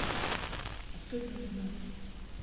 а кто из нас игнат